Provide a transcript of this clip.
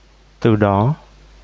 từ đó